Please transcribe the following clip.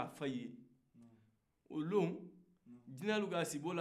jinɛlu ka sibo ladon a ma